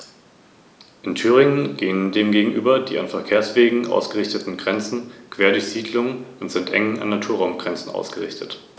Damit war es als Machtfaktor ausgeschaltet, während Rom mit seiner neuen Provinz Hispanien zunehmend an Einfluss gewann.